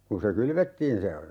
kun se kylvettiin se